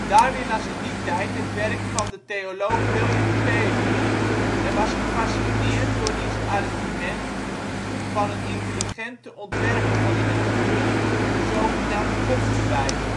Darwin las in die tijd het werk van de theoloog William Paley en was gefascineerd door diens argument van een intelligente ontwerper van de natuur (een zogenaamd Godsbewijs